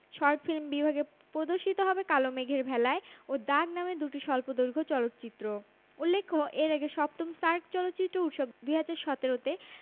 শিগগিরই চলচ্চিত্রটি মুক্তি পাবে বলে জানান নির্মাতা কানে মান্টো নিয়ে হাজির নওয়াজুদ্দিন গতকাল রোববার কানের স্থানীয় সময় বেলা ১১টায় সালে দুবুসিতে